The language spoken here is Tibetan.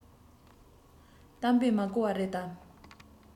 གཏམ དཔེ མ གོ བ རེད དམ